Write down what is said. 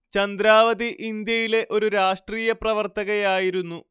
ചന്ദ്രാവതിഇന്ത്യയിലെ ഒരു രാഷ്ട്രീയ പ്രവർത്തകയായിരുന്നു